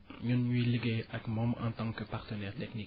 ñun ñuy liggéey ak moom en tant que partenaire technique